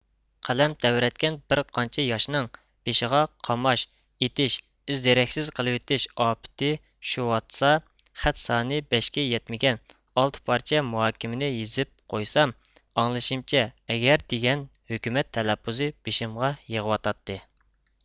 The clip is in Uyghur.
قەلەم تەۋرەتكەن بىرقانچە ياشنىڭ بېشىغا قاماش ئېتىش ئىز دېرەكسىز قىلىۋېتىش ئاپىتى چۈشۈۋاتسا خەت سانى بەشكە يەتمىگەن ئالتە پارچە مۇھاكىمىنى يېزىپ قويسام ئاڭلىشىمچە ئەگەردېگەن ھۆكۈمەت تەلەپپۇزى بېشىمغا يېغىۋاتاتتى